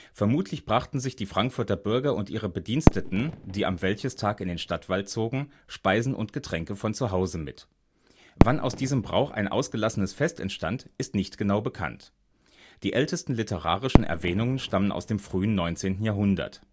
Vermutlich brachten sich die Frankfurter Bürger und ihre Bediensteten, die am Wäldchestag in den Stadtwald zogen, Speisen und Getränke von zuhause mit. Wann aus diesem Brauch ein ausgelassenes Fest entstand, ist nicht genau bekannt. Die ältesten literarischen Erwähnungen stammen aus dem frühen 19. Jahrhundert